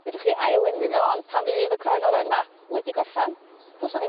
fedrwch chi ail lenwi fo on' pan fydd y croen oren yma wedi gorffan do's 'na ddim